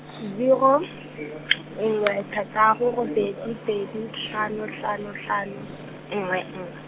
zero , nngwe thataro robedi pedi tlhano tlhano tlhano, nngwe nngwe.